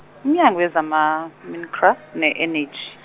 uMnyango wezama , Mincra- ne-Eneji.